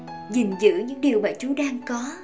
gìn giữ những điều mà chú đang có